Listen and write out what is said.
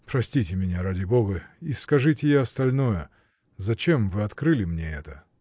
Простите меня, ради Бога, и скажите и остальное: зачем вы открыли мне это?